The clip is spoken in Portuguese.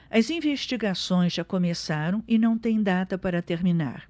as investigações já começaram e não têm data para terminar